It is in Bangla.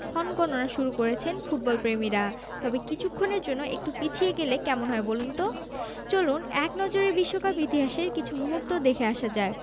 ক্ষণগণনা শুরু করেছেন ফুটবলপ্রেমীরা তবে কিছুক্ষণের জন্য একটু পিছিয়ে গেলে কেমন হয় বলুন তো চলুন এক নজরে বিশ্বকাপ ইতিহাসের কিছু মুহূর্ত দেখে আসা যাক